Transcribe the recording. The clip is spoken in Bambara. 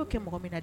Dɔw kɛ mɔgɔ bɛ na